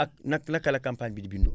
ak na naka la campagne bi di bindoo